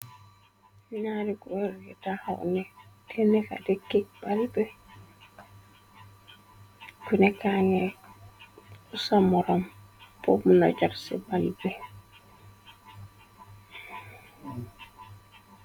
minari ku ari taxaw ne te neka dekek balbe u nekkange usamorom po mëna jorce bali be